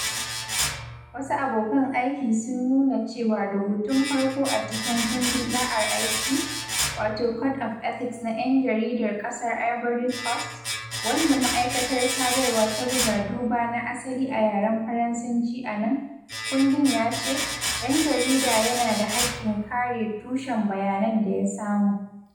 Wasu abokan aiki sun nuna cewa rubutun farko a cikin Kundin Ɗa'ar Aiki, wato Code of Ethics na 'Yan Jaridar Ƙasar Ivory Coast, wanda Ma’aikatar Sadarwa ta buga (duba na asali a yaren Faransanci anan), kundin ya ce, “Ɗan jarida yana da haƙƙin kare tushen bayanan da ya samu.”